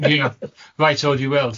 Reit, o, dwi weld.